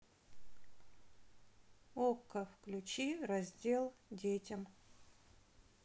окко включи раздел детям